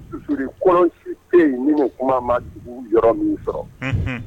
Suurriuransi pe min kuma ma dugu yɔrɔ min sɔrɔ